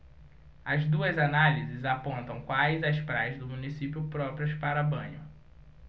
as duas análises apontam quais as praias do município próprias para banho